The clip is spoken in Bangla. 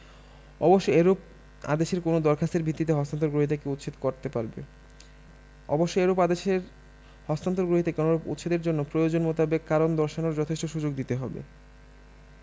অবশ্য এরূপ আদেশের কোনও দরখাস্তের ভিত্তিতে হস্তান্তর গ্রহীতাকে উচ্ছেদ করতে পারবে অবশ্য এরূপ আদেশের হস্তান্তর গ্রহীতাকে অনুরূপ উচ্ছেদের জন্য প্রয়োজন মোতাবেক কারণ দর্শানোর যথেষ্ট সুযোগ দিতে হবে